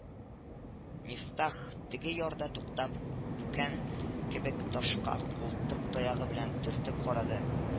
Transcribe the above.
Мифтах теге ярда туктап, бүкән кебек ташка култык таягы белән төртеп карады